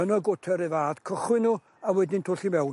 Yn y gwtar r'un fath, cychwyn nhw a wedyn twll i mewn.